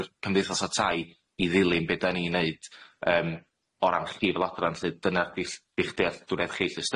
yr cymdeithas a tai i ddilyn be' dan ni'n neud yym o ran chi fel adran lly dyna'r gill- gill dealltwriedd chi lly,